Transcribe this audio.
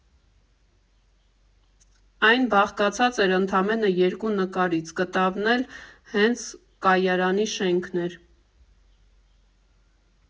Այն բաղկացած էր ընդամենը երկու նկարից, կտավն էլ հենց կայարանի շենքն էր։